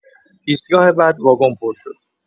ایستگاه بعد، واگن پر شد.